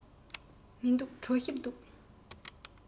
མི འདུག གྲོ ཞིབ འདུག